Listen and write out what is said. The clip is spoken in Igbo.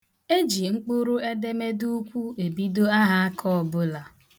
Eji mkpụrụedemede ukwu ebido ahaaka ọbụla.